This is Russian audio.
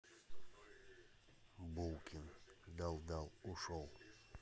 булкин дал дал ушел